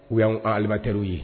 U y'an aliba terir' ye